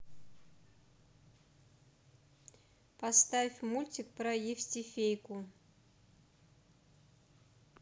поставь мультик про евстифейку